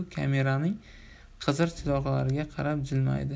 kameraning qizil chiroqlariga qarab jilmaydi